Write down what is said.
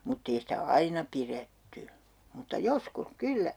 mutta ei sitä aina pidetty mutta joskus kyllä